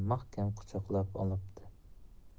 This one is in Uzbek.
kam quchoqlab olibdi